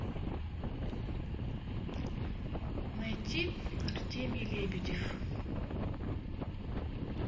найти артемий лебедев